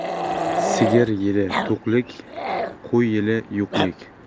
sigir yili to'qlik qo'y yili yo'qlik